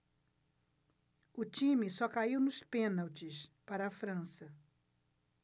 o time só caiu nos pênaltis para a frança